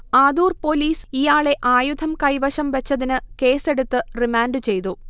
Adoor police ഇയാളെ ആയുധം കൈവശംവച്ചതിന് കേസെടുത്ത് റിമാൻഡുചെയ്തു